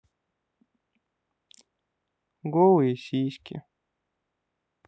голые сиськи